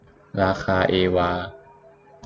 ราคาเอวา